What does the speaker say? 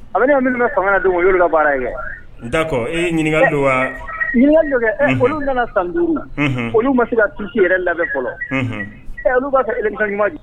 Kabini Hamidu bɛ fanga na , o ye olu ka baara d'accord yinikali don wa? yinikali don dɛ, unhun! ɛɛ olu nana san 5, olu ma se ka fiches yɛrɛ labɛn fɔlɔ, unhun, ɛɛ olu b'a f ka election ɲuman jumɛn